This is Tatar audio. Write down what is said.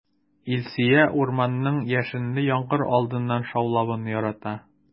Илсөя урманның яшенле яңгыр алдыннан шаулавын ярата.